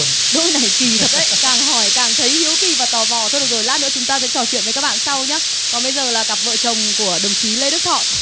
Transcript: đôi này kỳ thật đấy càng hỏi càng thấy hiếu kỳ và tò mò thôi được rồi lát nữa chúng ta sẽ trò chuyện với các bạn sau nha còn bây giờ là cặp vợ chồng của đồng chí lê đức thọ